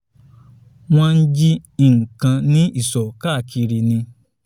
Wọ́n ń jí nǹkan ní isọ̀ káàkiri ni.”